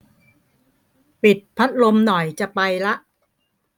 ปิดพัดลมหน่อยจะไปละ